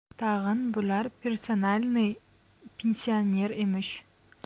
tag'in bular persanalniy pensaner emish